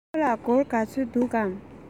ཁོ ལ སྒོར ག ཚོད འདུག གམ